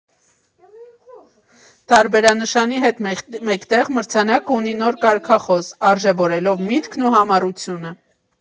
Տարբերանշանի հետ մեկտեղ, մրցանակը ունի նոր կարգախոս՝ «Արժևորելով միտքն ու համառությունը»։